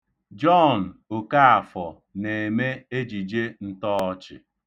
Jọọn Okaafọ na-eme ejije ntọọchị.